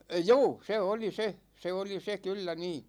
juu se oli se se oli se kyllä niin